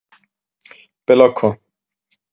بلاک کن